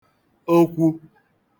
okwu